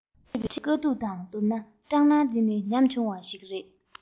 འཕྲད པའི དཀའ སྡུག དང བསྡུར ན སྐྲག སྣང དེ ནི ཉམ ཆུང བ ཞིག རེད